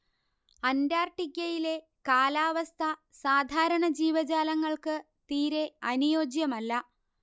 അന്റാർട്ടിക്കയിലെ കാലാവസ്ഥ സാധാരണ ജീവജാലങ്ങൾക്ക് തീരെ അനുയോജ്യമല്ല